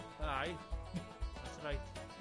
Aye that's right.